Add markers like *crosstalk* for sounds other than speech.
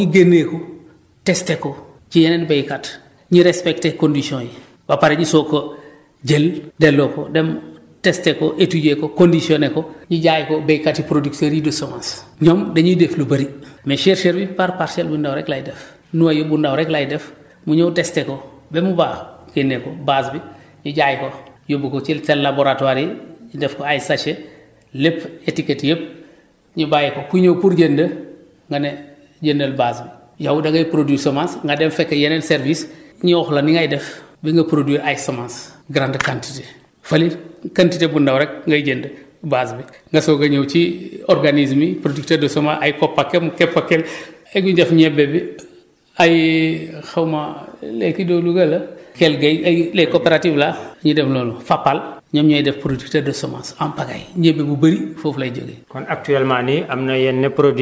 bala ñuy jaay ko béykat yi foog ñu génnee ko testé ko ci yeneen béykat ñu respecté conditions yi ba pare ñu soog ko jël delloo ko dem testé ko étudié ko conditionné ko ñu jaay ko béykat yi producteurs yi di semence ñoom dañuy def lu bëri mais chercheur yi par parcelle yu ndaw rek lay def noyau bu ndaw rek lay def mu ñëw testé ko ba mu baax génne ko base bi ñu jaay ko yóbbu ko ci seen laboratoires yi def ko ay sachets lépp étiquette yëpp ñu bàyyi ko ku ñëw pour jënd nga ne jëndal base bi yow da ngay produire semence nga dem fekk yeneen service ñu wax la ni ngay def ba nga produire ay semence grande quantité fële quantité bu ndaw rek ngay jënd base bi nga soog a ñëw ci organismes yi producteurs de semence ay Kopakem Kepakel *breath* et bu ñu def ñebe bi ay *hesitation* xaw ma les kii de Louga là Kell Guèye ay les coopératives là ñu def noonu Fapal ñoom ñooy def producteur de semence en pagaille ñebe bu bëri foofu lay jógee